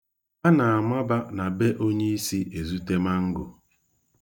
Ha na-amaba na be onyeisi ezute mango.